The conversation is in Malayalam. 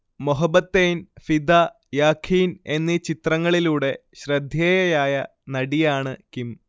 മൊഹബത്തെയ്ൻ, ഫിദ, യാഖീൻ എന്നീ ചിത്രങ്ങളിലൂടെ ശ്രദ്ധേയയായ നടിയാണ് കിം